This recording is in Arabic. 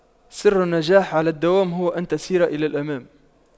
سر النجاح على الدوام هو أن تسير إلى الأمام